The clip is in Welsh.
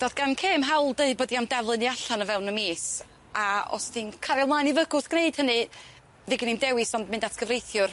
Do'dd gan Kay'm hawl deud bod i am daflu ni allan o fewn y mis, a os di'n cario mlaen i fygwth gneud hynny, fydd genai'm dewis ond mynd at gyfreithiwr.